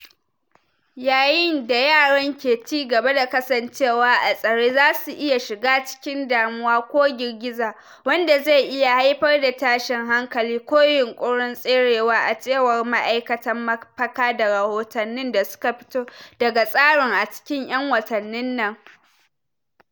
Yayin da yaran ke ci gaba da kasancewa a tsare, za su iya shiga cikin damuwa ko girgiza, wanda zai iya haifar da tashin hankali ko yunƙurin tserewa, a cewar ma'aikatan mafaka da rahotannin da suka fito daga tsarin a cikin 'yan watannin nan.